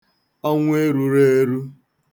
ọnwụ erūrọ̄ ērū